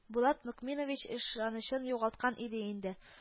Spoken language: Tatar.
Булат Мөкминович ышанычын югалткан иде инде